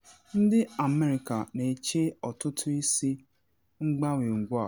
Ndị America na eche ọtụtụ isi mgbanwe ugbu a.